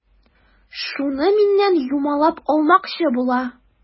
Шуны миннән юмалап алмакчы була.